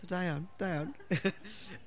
So da iawn. Da iawn.